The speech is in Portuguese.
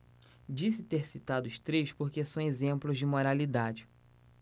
disse ter citado os três porque são exemplos de moralidade